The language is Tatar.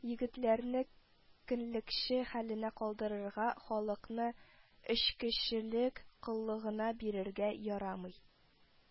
Егетләрне көнлекче хәленә калдырырга, халыкны эчкечелек коллыгына бирергә ярамый